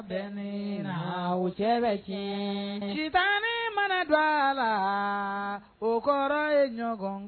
Den o cɛ bɛ tiɲɛtan ni mana don a la o kɔrɔ ye ɲɔgɔn